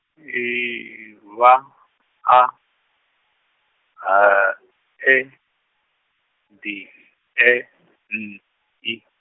I V A H E D E N I.